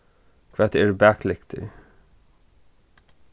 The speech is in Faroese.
hvat eru baklyktir